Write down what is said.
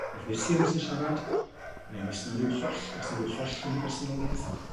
Efnisien sy'n siarad? Hynn yw oes 'na ryw holl- o's 'na ryw hollt yn 'i bersonolieth?